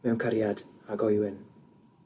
mewn cariad â Goewin,